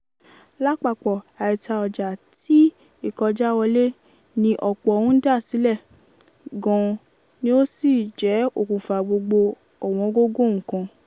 Lápapọ̀, àìtà ọjà tí ìkọ́jàwọlé ní ọ̀pọ̀ ń dá sílẹ̀ gan ni ó sì jẹ́ okùnfà gbogbo ọ̀wọ́ngógó nǹkan.